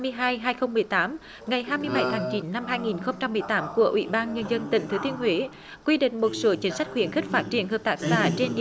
mươi hai hai không mười tám ngày hai mươi bảy tháng chín năm hai nghìn không trăm mười tám của ủy ban nhân dân tỉnh thừa thiên huế quy định một số chính sách khuyến khích phát triển hợp tác xã trên địa